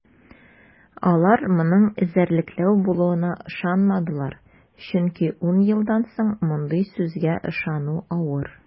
Алар моның эзәрлекләү булуына ышанмадылар, чөнки ун елдан соң мондый сүзгә ышану авыр.